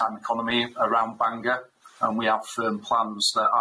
time economy around Bangor and we have firm plans that